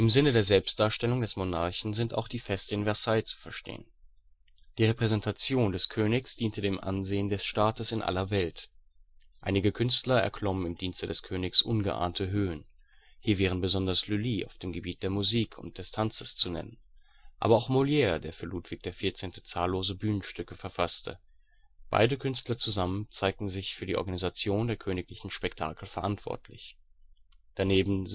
Sinne der Selbstdarstellung des Monarchen sind auch die Feste in Versailles zu verstehen. Die Repräsentation des Königs, diente dem Ansehen des Staates in aller Welt. Einige Künstler erklommen im Dienste des Königs ungeahnte Höhen; hier wären besonders Lully auf dem Gebiet der Musik und des Tanzes zu nennen. Aber auch Molière, der für Ludwig XIV. zahllose Bühnenstücke verfasste. Beide Künstler zusammen zeigten sich für die Organisation der königlichen Spektakel verantwortlich. Daneben